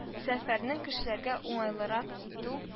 Сәфәрнен кешеләргә уңайлырак итү